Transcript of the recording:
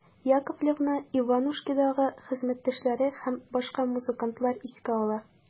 Яковлевны «Иванушки»дагы хезмәттәшләре һәм башка музыкантлар искә ала.